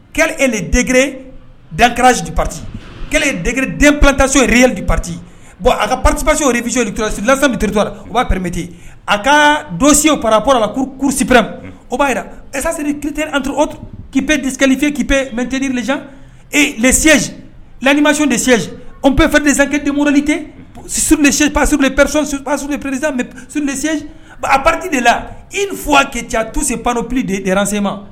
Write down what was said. Kɛlɛ edgkrre danksidi pati kedgk denptaso reere pati bɔn a ka ppssirepsi psi lasti tirepra o b'a prepteti a ka donsio parap la ko kurusipreme o b'a jira ɛzsi prete ppteslifip mɛt ni c lesc lamas decz nptezketemmointep pasp prizsurp prezss a pati de la i ni fɔ' kɛ ca tuse parop de diyararansen ma